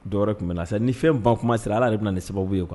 Dɔw tun bɛ na sisan ni fɛn ban kuma siri ala yɛrɛ bɛna na nin sababu ye o kuwa